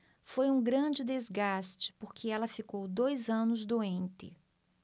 foi um grande desgaste porque ela ficou dois anos doente